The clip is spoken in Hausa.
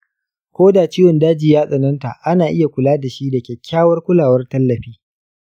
koda ciwon daji ya tsananta ana iya kula dashi da kyakkyawar kulawar tallafi.